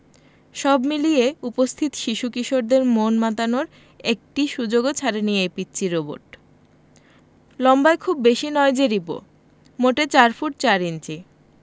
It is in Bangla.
সব মিলিয়ে উপস্থিত শিশু কিশোরদের মন মাতানোর একটি সুযোগও ছাড়েনি এই পিচ্চি রোবট লম্বায় খুব বেশি নয় যে রিবো মোটে ৪ ফুট ৪ ইঞ্চি